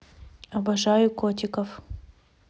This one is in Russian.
обожаю котиков